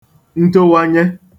ntowanye